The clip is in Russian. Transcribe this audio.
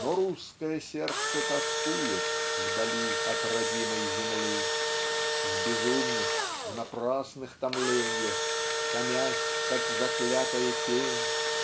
Но русское сердце тоскует Вдали от родимой земли. В безумных в напрасных томленьях Томясь как заклятая тень